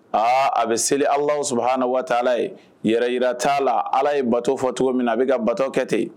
Aa a bɛ seli alllah subahanahu wa taala ye yɛrɛ jira t'a la allah ye bato fo cogo min na a bɛka bato kɛ ten.